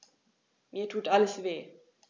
Mir tut alles weh.